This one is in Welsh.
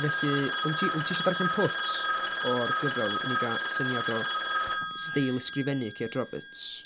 Felly, wyt ti wyt ti isio darllen pwt o'r gyfrol i ni ga- syniad o steil ysgrifennu Kate Roberts?